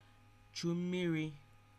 chu mmirī